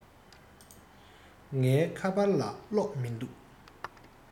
ངའི ཁ པར ལ གློག མིན འདུག